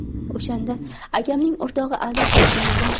o'shanda akamning o'rtog'i aldab ketganida